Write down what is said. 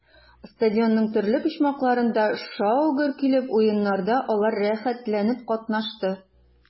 Стадионның төрле почмакларында шау-гөр килеп уеннарда алар рәхәтләнеп катнашты.